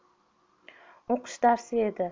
o'qish darsi edi